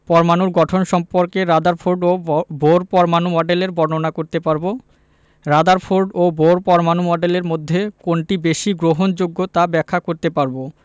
পরমাণুর গঠন সম্পর্কে রাদারফোর্ড ও বোর পরমাণু মডেলের বর্ণনা করতে পারব রাদারফোর্ড ও বোর পরমাণু মডেলের মধ্যে কোনটি বেশি গ্রহণযোগ্য তা ব্যাখ্যা করতে পারব